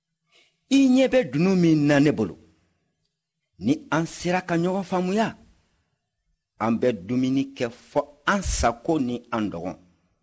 i ɲɛ bɛ dunun min na ne bolo ni an sera ka ɲɔgɔn faamuya an bɛ dumuni kɛ fo an sago ni an dɔngɔ